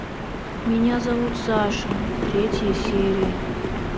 меня зовут саша третья серия